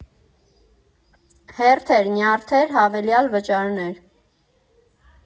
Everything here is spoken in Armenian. Հերթեր, նյարդեր, հավելյալ վճարներ…